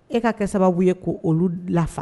E ka kɛ sababu ye ko olu lafa